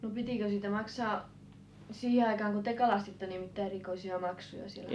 no pitikö siitä maksaa siihen aikaan kun te kalastitte niin mitään erikoisia maksuja siellä